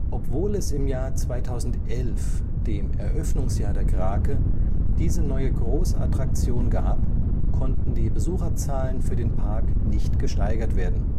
Obwohl es im Jahr 2011, dem Eröffnungsjahr der Krake, diese neue Großattraktion gab, konnten die Besucherzahlen für den Park nicht gesteigert werden